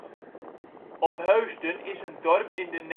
Opheusden is een dorp in de